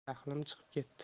jahlim chiqib ketdi